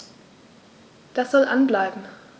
Das soll an bleiben.